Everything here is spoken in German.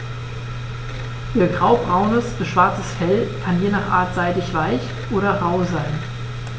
Ihr graubraunes bis schwarzes Fell kann je nach Art seidig-weich oder rau sein.